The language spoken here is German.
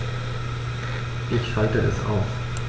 Ich schalte es aus.